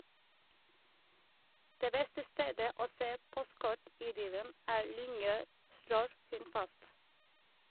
- Det beste stedet å se postkort-idyllen, er Lyngør, slår hun fast.